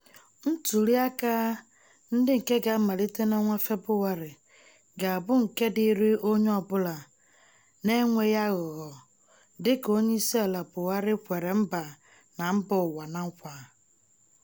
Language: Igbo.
Ntụliaka ndị nke ga-amalite n'ọnwa Febụwarị ga-abụ nke dịịrị onye ọbụla ma na-enweghị aghụghọ dịka Onyeisiala Buhari kwere mba na mba ụwa na nkwa.